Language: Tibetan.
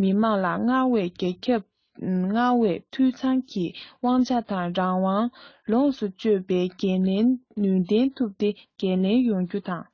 མི དམངས ལ སྔར བས རྒྱ ཁྱབ དང སྔར བས འཐུས ཚང གི དབང ཆ དང རང དབང ལོངས སུ སྤྱོད པའི འགན ལེན ནུས ལྡན ཐུབ སྟེ འགན ལེན ཡོང རྒྱུ དང